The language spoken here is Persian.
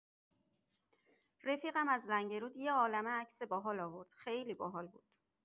رفیقم، از لنگرود یه عالمه عکس باحال آورد، خیلی باحال بود.